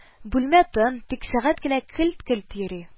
Бүлмә тын, тик сәгать кенә келт-келт йөри